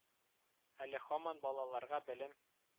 Әле һаман балаларга белем